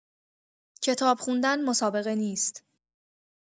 کتاب خوندن مسابقه نیست.